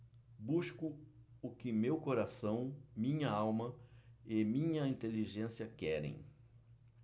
busco o que meu coração minha alma e minha inteligência querem